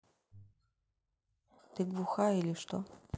ты глухая или что